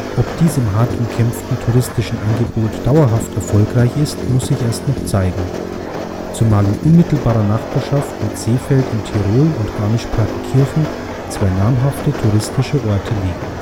Ob dies im hart umkämpften touristischen Angebot dauerhaft erfolgreich ist, muss sich erst noch zeigen, zumal in unmittelbarer Nachbarschaft mit Seefeld in Tirol und Garmisch-Partenkirchen zwei namhafte touristische Orte liegen